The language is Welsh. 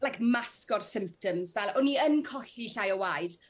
like masgo'r symptoms fel o'n i yn colli llai o waed